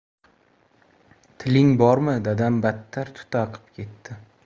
tiling bormi dadam battar tutaqib ketdi